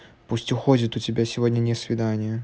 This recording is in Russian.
пусть уходит у тебя сегодня не свидания